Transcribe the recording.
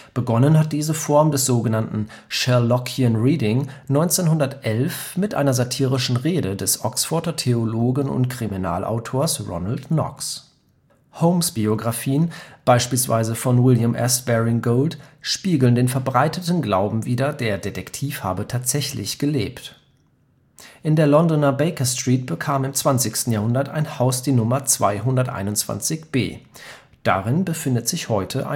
Begonnen hat diese Form des sogenannten Sherlockian Reading 1911 mit einer satirischen Rede des Oxforder Theologen und Kriminalautors Ronald Knox. Holmes-Biographien, beispielsweise von William S. Baring-Gould, spiegeln den verbreiteten Glauben wider, der Detektiv habe tatsächlich gelebt. In der Londoner Baker Street bekam im 20. Jahrhundert ein Haus die Nummer 221b, darin befindet sich heute